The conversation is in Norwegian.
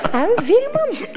er du vill mann?